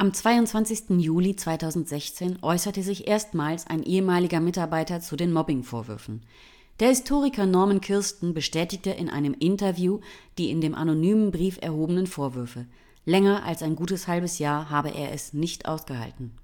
22. Juli 2016 äußerte sich erstmals ein ehemaliger Mitarbeiter zu den Mobbingvorwürfen. Der Historiker Norman Kirsten bestätigte in einem Interview die in dem anonymen Brief erhobenen Vorwürfe. Länger als ein gutes halbes Jahr habe er es „ nicht ausgehalten